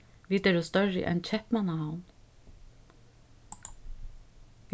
vit eru størri enn keypmannahavn